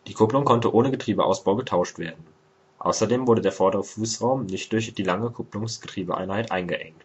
Kupplung konnte ohne Getriebeausbau getauscht werden. Außerdem wurde der vordere Fußraum nicht durch die lange Kupplungs -/ Getriebeeinheit eingeengt